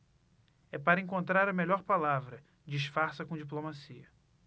é para encontrar a melhor palavra disfarça com diplomacia